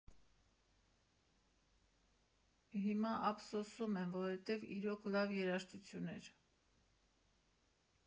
Հիմա ափսոսում եմ, որովհետև իրոք լավ երաժշտություն էր։